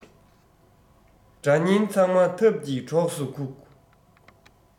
དགྲ གཉེན ཚང མ ཐབས ཀྱིས གྲོགས སུ ཁུག